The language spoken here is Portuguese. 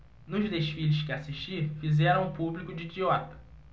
nos desfiles que assisti fizeram o público de idiota